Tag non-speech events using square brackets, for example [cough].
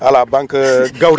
voilà banque [hesitation]